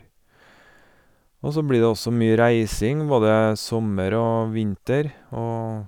Og så blir det også mye reising, både sommer og vinter, og...